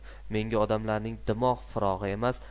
menga odamlarning dimoq firog'i emas